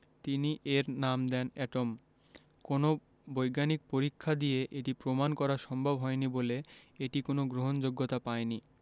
তিনি এর নাম দেন এটম কোনো বৈজ্ঞানিক পরীক্ষা দিয়ে এটি প্রমাণ করা সম্ভব হয়নি বলে এটি কোনো গ্রহণযোগ্যতা পায়নি